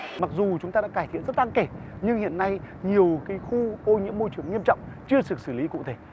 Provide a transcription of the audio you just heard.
mặc dù chúng ta đã cải thiện rất đáng kể nhưng hiện nay nhiều cái khu ô nhiễm môi trường nghiêm trọng chưa xử xử lý cụ thể